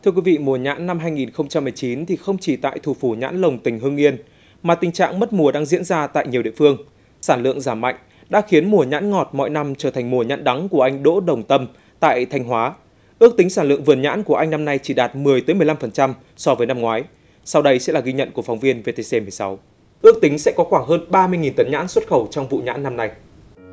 thưa quý vị mùa nhãn năm hai nghìn không trăm mười chín thì không chỉ tại thủ phủ nhãn lồng tỉnh hưng yên mà tình trạng mất mùa đang diễn ra tại nhiều địa phương sản lượng giảm mạnh đã khiến mùa nhãn ngọt mọi năm trở thành mùa nhẫn đắng của anh đỗ đồng tâm tại thanh hóa ước tính sản lượng vườn nhãn của anh năm nay chỉ đạt mười tới mười lăm phần trăm so với năm ngoái sau đây sẽ là ghi nhận của phóng viên vê tê xê mười sáu ước tính sẽ có khoảng hơn ba mươi nghìn tấn nhãn xuất khẩu trong vụ nhãn năm nay